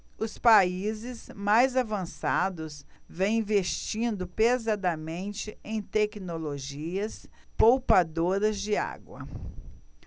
os países mais avançados vêm investindo pesadamente em tecnologias poupadoras de água